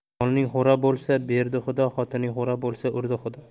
moling xo'ra bo'lsa berdi xudo xotining xo'ra bo'lsa urdi xudo